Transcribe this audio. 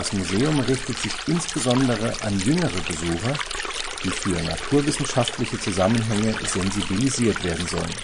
Museum richtet sich insbesondere an jüngere Besucher, die für naturwissenschaftliche Zusammenhänge sensibilisiert werden sollen